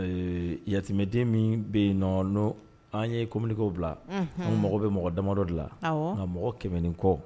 Ee yatimɛden min bɛ yen nɔ, n'o an ye communiqués bila; Unhun; An mako bɛ mɔgɔ damadɔ de la nka mɔgɔ 100 ni kɔ